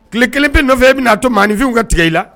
Tile kelen bɛ nɔfɛ e bɛ naa to maa nifinw ka tigɛ i la